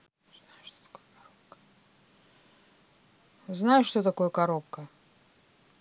знаешь что такое коробка